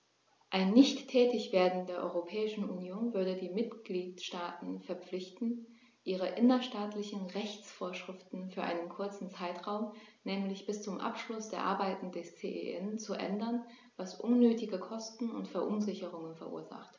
Ein Nichttätigwerden der Europäischen Union würde die Mitgliedstaten verpflichten, ihre innerstaatlichen Rechtsvorschriften für einen kurzen Zeitraum, nämlich bis zum Abschluss der Arbeiten des CEN, zu ändern, was unnötige Kosten und Verunsicherungen verursacht.